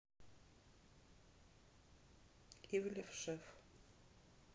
ивлев шеф